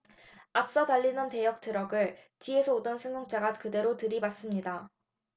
앞서 달리던 대형 트럭을 뒤에서 오던 승용차가 그대로 들이받습니다